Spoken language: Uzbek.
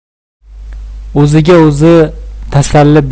o'ziga o'zi tasalli